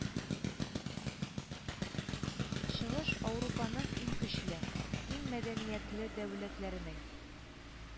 Чыгыш аурупаның иң көчле, иң мәдәниятле дәүләтләренең